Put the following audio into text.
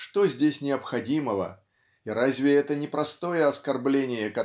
что здесь необходимого и разве это не простое оскорбление